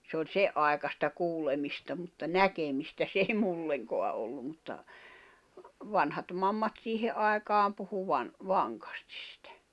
se oli sen aikaista kuulemista mutta näkemistä se ei minullekaan ollut mutta vanhat mammat siihen aikaan puhui - vankasti sitä